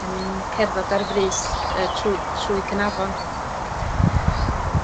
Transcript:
yn cerddad ar frys yy trwy trwy Canarfon.